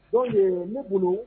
Don n ne bolo